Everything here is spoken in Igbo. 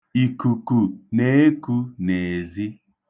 Ikuku na-eku n'ezi.